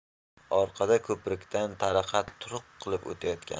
orqada ko'prikdan taraqa turuq qilib o'tayotgandi